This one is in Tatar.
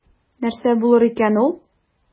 Нәрсә булыр икән ул?